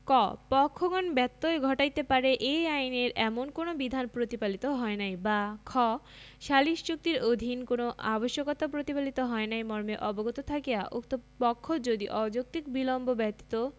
ক পক্ষগণ ব্যত্যয় ঘটাইতে পারে এই আইনের এমন কোন বিধান প্রতিপালিত হয় নাই বা খ সালিস চুক্তির অধীন কোন আবশ্যকতা প্রতিপালিত হয় নাই মর্মে অবগত থাকিয়া উক্ত পক্ষ যদি অযৌক্তিক বিলম্ব ব্যতীত